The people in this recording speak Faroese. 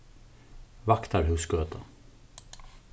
vaktarhúsgøta